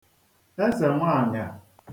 ezènwaànyà